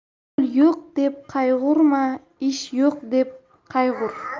pul yo'q deb qayg'urma ish yo'q deb qayg'ur